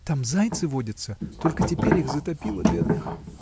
— Там зайцы водятся, только теперь их затопило, бедных!